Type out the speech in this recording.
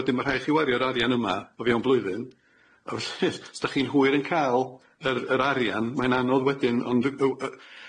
A wedyn ma' rhaid chi wario'r arian yma o fewn blwyddyn a felly os dach chi'n hwyr yn ca'l yr yr arian mae'n anodd wedyn ond y- y- y-